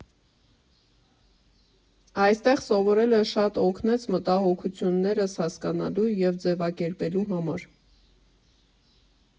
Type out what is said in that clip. Այստեղ սովորելը շատ օգնեց մտահոգություններս հասկանալու և ձևակերպելու համար»։